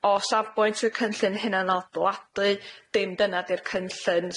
O safbwynt y cynllun hunan aduladu, dim dyna 'di'r cynllun